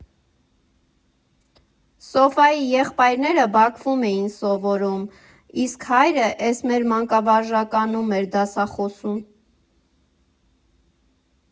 Սոֆյայի եղբայրները Բաքվում էին սովորում, իսկ հայրը էս մեր մանկավարժականում էր դասախոսում։